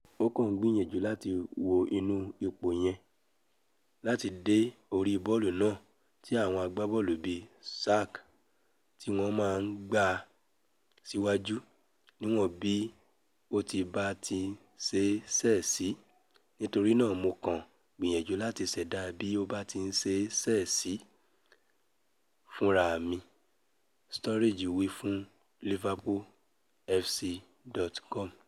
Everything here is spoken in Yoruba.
Ó kàn ń gbìyànjú láti wọ inú ipò yẹn, láti dé orí bọ́ọ̀lù náà tí àwọn agbábọ́ọ̀lù bíi Shaq tí wọn máa ńgbá a siwaju níwọn bí ó báti ṣée ṣe sí, nítorínaa Mo kàn gbìyànjú láti ṣẹ̀dá bí o báti ṣée ṣe sí funrami,'' Sturridge wí fún LiverpoolFC.com.